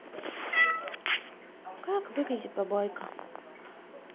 как выглядит бабайка